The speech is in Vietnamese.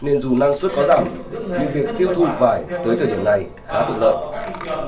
nên dù năng xuất có giảm nhưng việc tiêu thụ vải tới thời điểm này khá thuận lợi